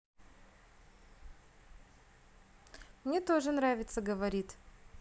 мне тоже нравится говорит